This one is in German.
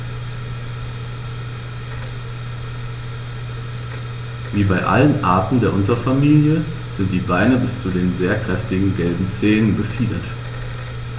Wie bei allen Arten der Unterfamilie sind die Beine bis zu den sehr kräftigen gelben Zehen befiedert.